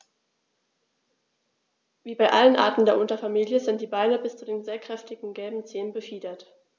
Wie bei allen Arten der Unterfamilie sind die Beine bis zu den sehr kräftigen gelben Zehen befiedert.